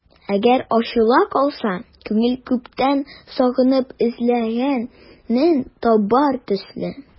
Әгәр ачыла калса, күңел күптән сагынып эзләгәнен табар төсле...